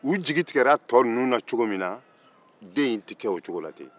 u jigi tɛmɛna tɔw la cogo min dɔ in tɛ kɛ o cogo la ten